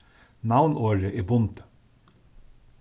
navnorðið er bundið